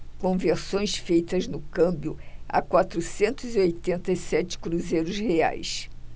conversões feitas com câmbio a quatrocentos e oitenta e sete cruzeiros reais